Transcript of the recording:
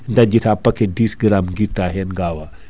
dajjita paquet 10G guirta hen gawa